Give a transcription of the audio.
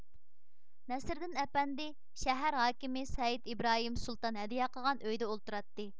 نەسرىدىن ئەپەندى شەھەر ھاكىمى سەئىد ئىبراھىم سۇلتان ھەدىيە قىلغان ئۆيدە ئولتۇراتتى